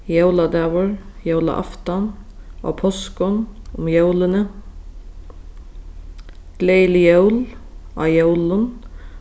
jóladagur jólaaftan á páskum um jólini gleðilig jól á jólum